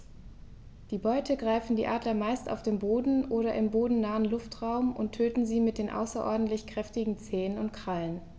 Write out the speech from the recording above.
Die Beute greifen die Adler meist auf dem Boden oder im bodennahen Luftraum und töten sie mit den außerordentlich kräftigen Zehen und Krallen.